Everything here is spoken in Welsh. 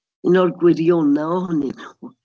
Un o'r gwirionaf ohonyn nhw.